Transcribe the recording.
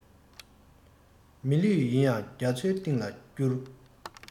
མི ལུས ཡིན ཡང རྒྱ མཚོའི གཏིང ལ བསྐྱུར